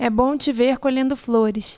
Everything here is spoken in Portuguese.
é bom te ver colhendo flores